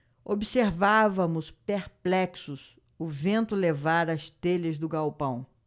observávamos perplexos o vento levar as telhas do galpão